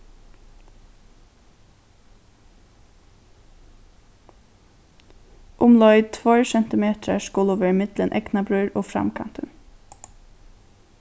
umleið tveir sentimetrar skulu vera millum eygnabrýr og framkantin